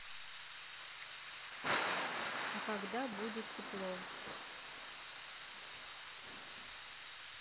а когда будет тепло